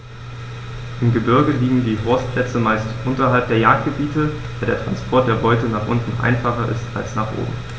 Im Gebirge liegen die Horstplätze meist unterhalb der Jagdgebiete, da der Transport der Beute nach unten einfacher ist als nach oben.